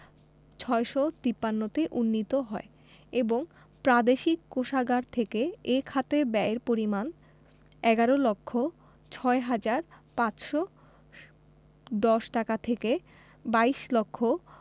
৬৫৩ তে উন্নীত হয় এবং প্রাদেশিক কোষাগার থেকে এ খাতে ব্যয়ের পরিমাণ ১১ লক্ষ ৬ হাজার ৫১০ টাকা থেকে ২২ লক্ষ